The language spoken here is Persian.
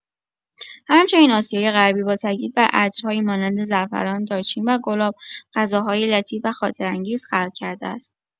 همچنین آسیای غربی با تأکید بر عطرهایی مانند زعفران، دارچین و گلاب، غذاهایی لطیف و خاطره‌انگیز خلق کرده است.